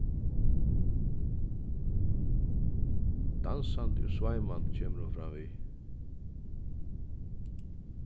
dansandi og sveimandi kemur hon framvið